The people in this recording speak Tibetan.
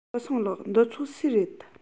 ཞའོ སུང ལགས འདི ཚོ སུའི རེད